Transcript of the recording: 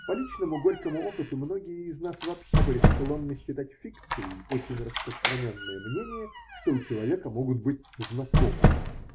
По личному горькому опыту многие из нас вообще были склонны считать фикцией очень распространенное мнение, что у человека могут быть знакомые.